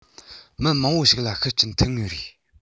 མི མང པོ ཞིག ལ ཤུགས རྐྱེན ཐེབས ངེས རེད